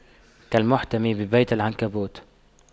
كالمحتمي ببيت العنكبوت